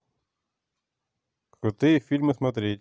крутые фильмы смотреть